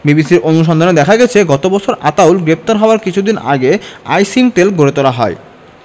বিবিসির অনুসন্ধানে দেখা গেছে গত বছর আতাউল গ্রেপ্তার হওয়ার কিছুদিন আগে আইসিংকটেল গড়ে তোলা হয়